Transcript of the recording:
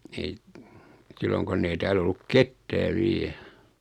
ei silloin kun ei täällä ollut ketään vielä